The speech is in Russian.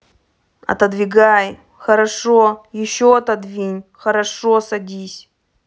отодвигай хорошо еще отодвинь хорошо садись